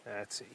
'Na ti.